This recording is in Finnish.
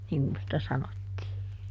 niin kuin sitä sanottiin